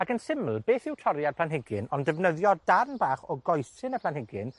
Ac yn syml, beth yw toriad planhigyn, ond defnyddio darn bach o goesyn y planhigyn